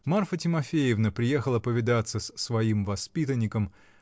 Марфа Тимофеевна приехала повидаться с своим воспитанником